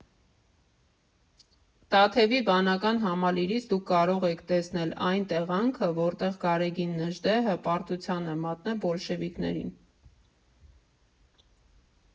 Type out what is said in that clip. Տաթևի վանական համալիրից դուք կարող եք տեսնել այն տեղանքը, որտեղ Գարեգին Նժդեհը պարտության է մատնել բոլշևիկներին։